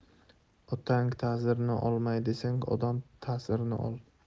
otang ta'zirini olmay desang odam ta'sirini ol